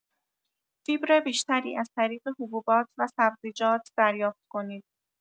فیبر بیشتری از طریق حبوبات و سبزیجات دریافت کنید.